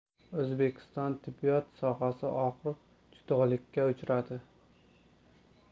o'zbekiston tibbiyot sohasi og'ir judolikka uchradi